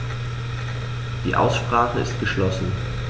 Die Aussprache ist geschlossen.